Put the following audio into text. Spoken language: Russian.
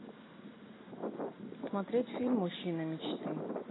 смотреть фильм мужчина мечты